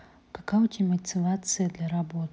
какая у тебя мотивация для работы